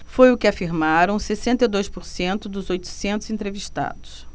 foi o que afirmaram sessenta e dois por cento dos oitocentos entrevistados